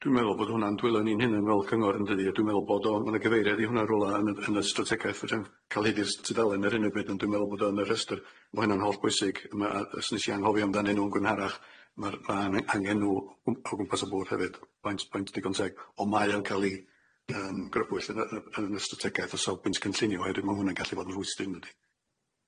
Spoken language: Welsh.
Dwi'n meddwl bod hwnna'n dwylo ni'n hunan fel cyngor yndydi a dwi'n meddwl bod o ma' na gyfeiriad i hwnna rwla yn y- yn y strategaeth fedrai'm ca'l hyd i'r st- tudalen ar hyn o bryd ond dwi'n meddwl bod o yn y rhestr ma' hynna'n holl bwysig ma' a- os nes i anghofio amdanyn nw yn gynharach ma'r ma' angen nhw o gwmpas y bwrdd hefyd point point digon teg ond mae o'n ca'l i yym grybwyll yn y yn y strategaeth o safbwynt cynllunio oherwydd ma' hwnna'n gallu fod yn rhwystyn yndydi?